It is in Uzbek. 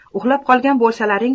uxlab qolgan bo'lsalaring